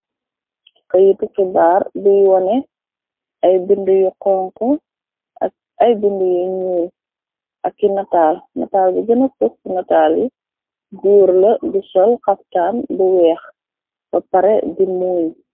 Keyitu xibaar buy wone ay binde yu xonxu, ak ay binde yu ñuul, ak ki nataal, nataal bi gëna fes ci nataal yi, goor la, bu sol xaftaan bu weex ba pare di muuñ.